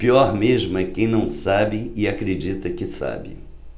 pior mesmo é quem não sabe e acredita que sabe